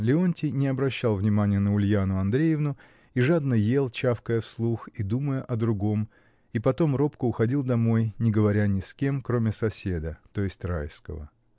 Леонтий не обращал внимания на Ульяну Андреевну и жадно ел, чавкая вслух и думая о другом, и потом робко уходил домой, не говоря ни с кем, кроме соседа, то есть Райского.